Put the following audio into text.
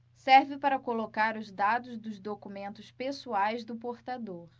serve para colocar os dados dos documentos pessoais do portador